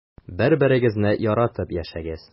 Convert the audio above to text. Бер-берегезне яратып яшәгез.